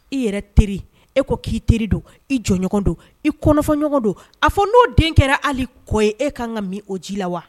I yɛrɛ teri e ko k'i teri don i jɔɲɔgɔn don ifɔ ɲɔgɔn don a fɔ n'o den kɛra ali kɔ ye e ka kan ka min o ji la wa